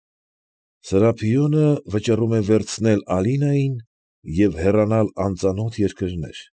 Սրափիոնը վճռում է վերցնել Ալինային և հեռանալ անծանոթ երկրներ։